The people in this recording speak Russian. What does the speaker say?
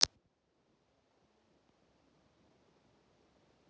нить нить